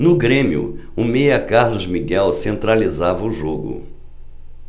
no grêmio o meia carlos miguel centralizava o jogo